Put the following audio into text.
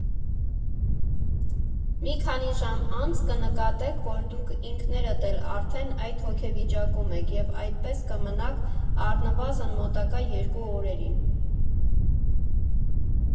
Մի քանի ժամ անց կնկատեք, որ դուք ինքներդ էլ արդեն այդ հոգեվիճակում եք, և այդպես կմնաք առնվազն մոտակա երկու օրերին։